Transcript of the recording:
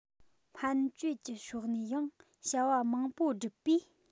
སྨན བཅོས ཀྱི ཕྱོགས ནས ཡང བྱ བ མང པོ བསྒྲུབས པས